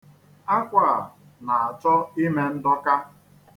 Akwa a na-achọ ime ndọka.